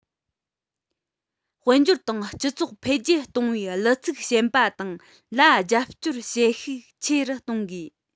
དཔལ འབྱོར དང སྤྱི ཚོགས འཕེལ རྒྱས གཏོང བའི ལྷུ ཚིགས ཞན པ དང ལ རྒྱབ སྐྱོར བྱེད ཤུགས ཆེ རུ གཏོང དགོས